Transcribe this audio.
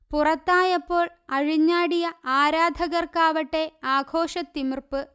പുറത്തായപ്പോൾ അഴിഞ്ഞാടിയ ആരാധകർക്കാവട്ടെ ആഘോഷത്തിമിർപ്പ്